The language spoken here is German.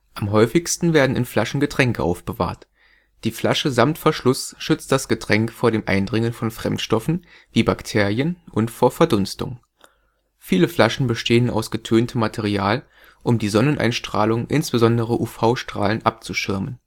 Am häufigsten werden in Flaschen Getränke aufbewahrt. Die Flasche samt Verschluss schützt das Getränk vor dem Eindringen von Fremdstoffen, wie Bakterien, und vor Verdunstung. Viele Flaschen bestehen aus getöntem Material, um die Sonneneinstrahlung, insbesondere UV-Strahlen, abzuschirmen